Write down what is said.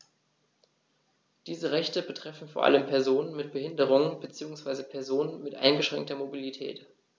Diese Rechte betreffen vor allem Personen mit Behinderung beziehungsweise Personen mit eingeschränkter Mobilität.